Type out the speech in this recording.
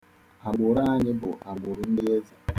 Agbụrụ anyị bụ agbụrụ ndị eze.